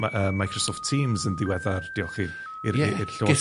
...ma' yy Microsoft Teams yn ddiweddar, diolch i, i'r i- i'r llywodraeth...